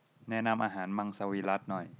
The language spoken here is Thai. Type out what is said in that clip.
แนะนำอาหารมังสวิรัติหน่อย